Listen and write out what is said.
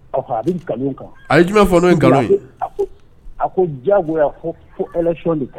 Ɔ a bɛ nkalon kan a ye jumɛn fɔ' ye nkalon a a ko jagoya fo foc de kan